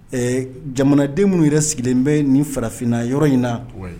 Ɛɛ jamanadenw minnu yɛrɛ sigilen bɛ nin farafinna yɔrɔ in na